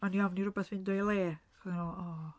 O'n i ofn i rywbeth fynd o'i le. Ac o'n i'n meddwl "o".